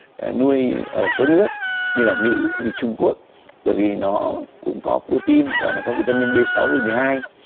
nuôi ở một số nước như là mỹ trung quốc bởi vì nó cũng có pờ rô tê in và nó có vi ta min bê sáu bê mười hai